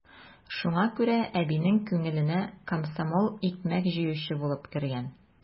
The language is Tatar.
Шуңа күрә әбинең күңеленә комсомол икмәк җыючы булып кергән.